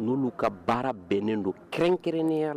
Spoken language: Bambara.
N'olu ka baara bɛnnen don kɛrɛn-kɛrɛnnenya la